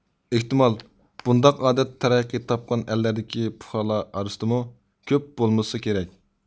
ئېھتىمال بۇنداق ئادەت تەرەققىي تاپقان ئەللەردىكى پۇقرالار ئارىسىدىمۇ كۆپ بولمىسا كېرەك